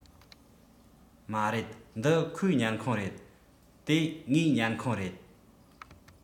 མ རེད འདི ཁོའི ཉལ ཁང རེད དེ ངའི ཉལ ཁང རེད